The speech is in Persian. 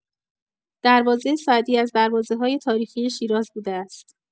دروازه سعدی از دروازه‌های تاریخی شیراز بوده است.